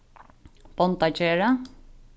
bóndagerði